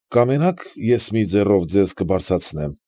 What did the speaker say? Կամենաք, ես մի ձեռով ձեզ կբարձրացնեմ։